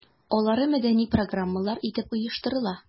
Алары мәдәни программалар итеп оештырыла.